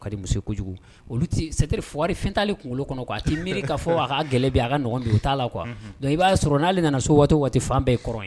Ka muso kojugu olu tɛ seteri fwari fɛntanli kunkolo kɔnɔ a tɛ miiri ka fɔ a ka gɛlɛn bɛ a kaɔgɔndugu t' la qu kuwa i b'a sɔrɔ n'ale nana so waati waati fan bɛɛ ye kɔrɔ ye